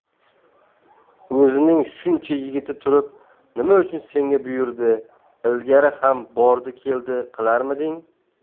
o'zining shuncha yigiti turib nima uchun senga buyurdi ilgari ham bordi keldi qilarmiding